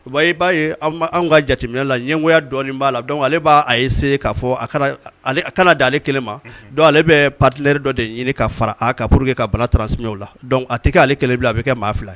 Wa i b'a ye anw ka jateminɛ la ɲɛnkɔya dɔɔni b'a la donc ale b'a esseyer k'a fɔ a kana dan ale kelen ma, ale bɛ partenaire dɔ de ɲini ka fara a ka pour que ka bana trnasmet o la donc a t kɛ ale kelen bilen a bɛ kɛ maa 2 ye.